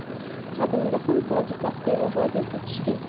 qadimda ham toji taxt bevafo deb o'tishgan